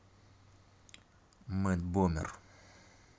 мэтт бомер